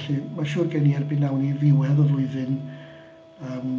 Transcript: Felly mae'n siŵr gen i erbyn awn ni i ddiwedd y flwyddyn yym